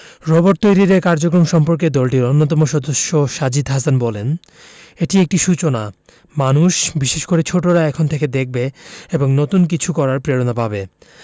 robot তৈরির এ কার্যক্রম সম্পর্কে দলটির অন্যতম সদস্য সাজিদ হাসান বললেন এটা একটা সূচনা মানুষ বিশেষ করে ছোটরা এখান থেকে দেখবে এবং নতুন কিছু করার প্রেরণা পাবে